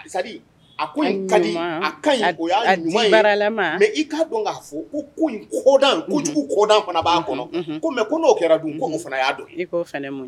C'est à dire a ko in kadi a kaɲi a d a diyabaralamaa mais i k'a dɔn k'a fɔ ko in kɔdan unhun kojugu kɔdan fana b'a kɔnɔ unhun unhun ko mais ko n'o kɛra dun ko o fana y'a dɔ ye i k'o fɛnɛ mun